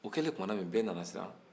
o kɛlen tumamin